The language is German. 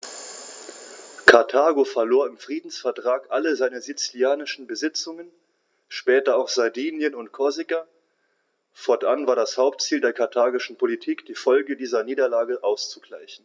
Karthago verlor im Friedensvertrag alle seine sizilischen Besitzungen (später auch Sardinien und Korsika); fortan war es das Hauptziel der karthagischen Politik, die Folgen dieser Niederlage auszugleichen.